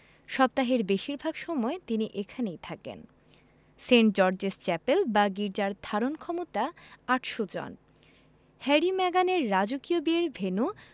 সপ্তাহের বেশির ভাগ সময় তিনি এখানেই থাকেন সেন্ট জর্জেস চ্যাপেল বা গির্জার ধারণক্ষমতা ৮০০ জন হ্যারি মেগানের রাজকীয় বিয়ের ভেন্যু